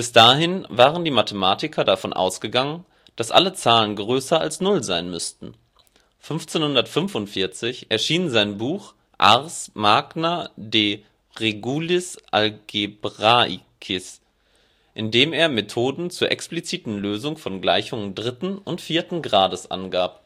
dahin waren die Mathematiker davon ausgegangen, dass alle Zahlen größer als Null sein müßten. 1545 erschien sein Buch Ars magna de Regulis Algebraicis, in dem er Methoden zur expliziten Lösung von Gleichungen dritten und vierten Grades angab